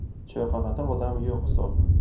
choyxonada odam yo'q hisob